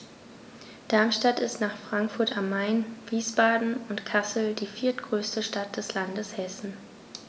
Darmstadt ist nach Frankfurt am Main, Wiesbaden und Kassel die viertgrößte Stadt des Landes Hessen